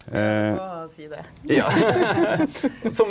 å seia det .